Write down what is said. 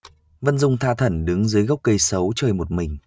vân dung tha thẩn đứng dưới gốc cây sấu chơi một mình